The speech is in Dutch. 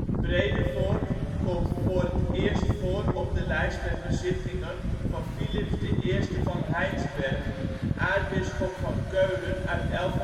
Bredevoort komt voor het eerst voor op de lijst met bezittingen van Filips I van Heinsberg, aartsbisschop van Keulen uit 1188, welke